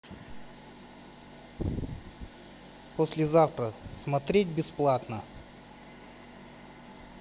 послезавтра смотреть бесплатно